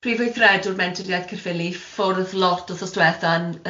Prifwythredwr menter iaith Caerffili, ffwrdd lot wthnos dwetha yn